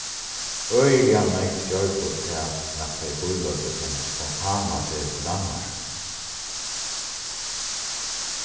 øgiliga nógv gjørdu tað at tey bíløgdu eina spontana ferð til danmarkar